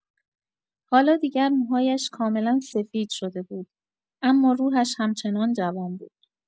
حالا دیگر موهایش کاملا سفید شده بود، اما روحش همچنان جوان بود.